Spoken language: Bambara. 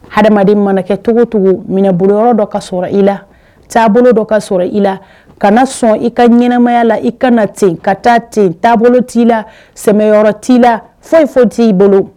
Adamaden mana kɛ cogo cogo minɛboloyɔrɔ dɔ ka sɔrɔ i la. Taabolo dɔ ka sɔrɔ i la. Kana sɔn i ka ɲɛnɛmaya la, i ka na ten, ka taa ten. Taabolo t'i la sɛmɛyɔrɔ t'i la, foyi foyi t'i bolo